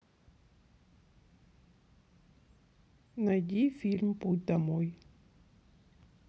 найди фильм путь домой